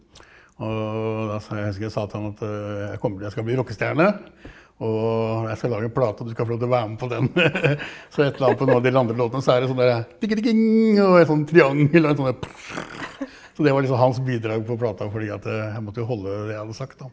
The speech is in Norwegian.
og da sa jeg jeg husker jeg sa til han at jeg kommer til jeg skal bli rockestjerne og jeg skal lage en plate og du skal få lov til å være med på den, så ett eller annet på noen av de andre låtene så er det noe sånn og litt sånn triangel og noe sånn , så det var liksom hans bidrag på plata fordi at jeg måtte jo holde det jeg hadde sagt da.